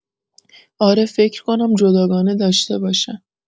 اره فکر کنم جداگانه داشته باشن